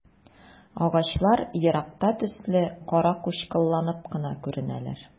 Агачлар еракта төсле каракучкылланып кына күренәләр.